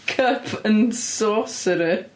Cup and Sorcerer.